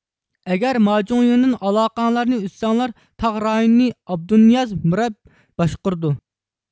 ئەگەر ماجۇڭيىڭدىن ئالاقەڭلارنى ئۈزسەڭلار تاغ رايونىنى ئابدۇنىياز مىراب باشقۇرىدۇ